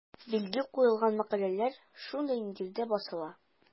Билге куелган мәкаләләр шундый нигездә басыла.